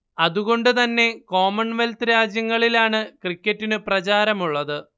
അതുകൊണ്ടുതന്നെ കോമൺവെൽത്ത് രാജ്യങ്ങളിലാണ് ക്രിക്കറ്റിനു പ്രചാരമുള്ളത്